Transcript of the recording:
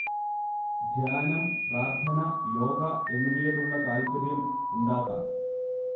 ധ്യാനം, പ്രാര്ത്ഥ്ന, യോഗ എന്നിവയോടുള്ള താല്പര്യം ഉണ്ടാകാം